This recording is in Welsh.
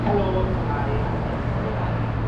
Helo, shwmae? A chroeso i'r ardd.